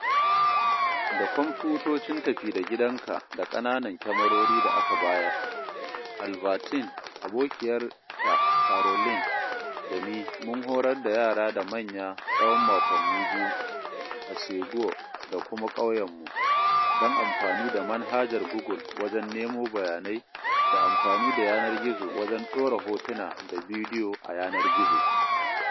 Da kwamfutocin tafi-da-gidanka da ƙananan kyamarori da aka bayar, Albertine, abokiyar ta Caroline da ni mun horar da yara da manya tsawon makonni biyu, a Ségou da kuma ƙauyenmu, don amfani da manhajar Google wajen nemo bayanai, da amfani da yanar gizo wajen ɗora hotuna da bidiyo a yanar gizo .